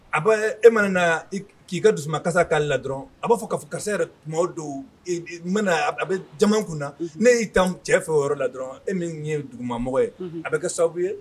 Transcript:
A ba e ma n' k'i ka dusu karisasa k'a la dɔrɔn a b'a fɔ kaa karisa yɛrɛ tuma don mana a bɛ jama kun na ne y'i tan cɛ fɛ yɔrɔ la dɔrɔn e min ye dugumamɔgɔ ye a bɛ kɛ sababu ye